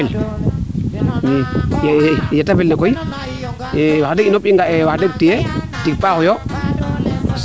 tiye fel i yeete fel'na koy wax deg in fop i nga e waxdeg tiye tig paaxo